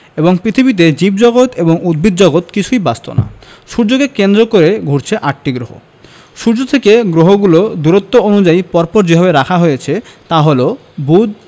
এবং পৃথিবীতে জীবজগত ও উদ্ভিদজগৎ কিছুই বাঁচত না সূর্যকে কেন্দ্র করে ঘুরছে আটটি গ্রহ সূর্য থেকে গ্রহগুলো দূরত্ব অনুযায়ী পর পর যেভাবে রয়েছে তা হলো বুধ